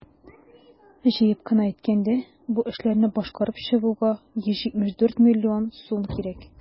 Җыеп кына әйткәндә, бу эшләрне башкарып чыгуга 174 млн сум кирәк.